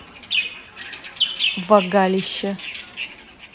вагалище